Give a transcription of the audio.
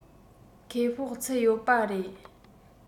ཁེ སྤོགས ཚུད ཡོད པ རེད